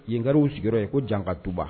Yenkaw sigiyɔrɔ yen ko janka tuba